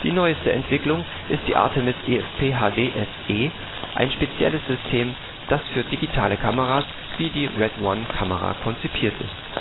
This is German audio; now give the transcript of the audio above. neuste Entwicklung ist die artemis EFP HD SE, ein spezielles System, das für digitale Kameras, wie die RED ONE ™ Kamera, konzipiert ist